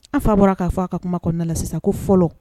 An fa bɔra k'a fɔ' a ka kuma kɔnɔ na sisan ko fɔlɔ